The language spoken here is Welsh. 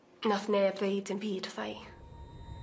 Nath neb ddeud dim byd wrtha i.